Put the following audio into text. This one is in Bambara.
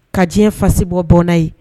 Ka diɲɛ fasi bɔ bɔn ye